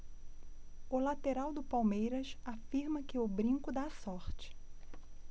o lateral do palmeiras afirma que o brinco dá sorte